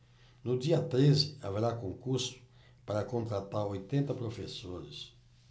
no dia treze haverá concurso para contratar oitenta professores